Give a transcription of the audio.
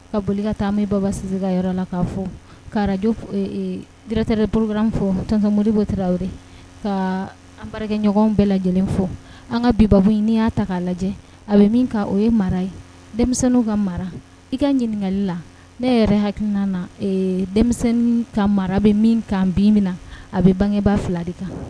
Ka boli ka taa bɛ baba sisi ka yɔrɔ la ka fɔ kaj gtɛɛrɛorokran fɔ tan mori bɔ ka anbaɲɔgɔn bɛɛ lajɛlen fɔ an ka bibabo ɲini'i y'a ta'a lajɛ a bɛ o ye mara ye denmisɛnninw ka mara i ka ɲininkakali la ne yɛrɛ ha na denmisɛnnin ka mara a bɛ min ka bin min na a bɛ bangeba fila de kan